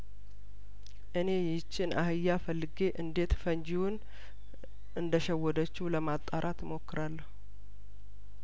እኔ ይህቺን አህያፈልጌ እንዴት ፈንጂውን እንደሸ ወደችው ለማጣራት እሞክራለሁ